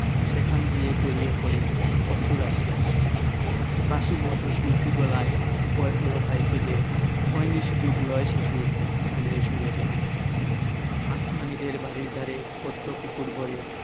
সেখান দিয়ে গড়িয়ে পড়ে অশ্রু রাশি রাশি বাঁশির মতো সুরটি গলায় ক্ষয় হল তাই কেঁদে হয়নি সুযোগ লয় সে সুর গানের সুরে বেঁধে আসমানীদের বাড়ির ধারে পদ্ম পুকুর ভরে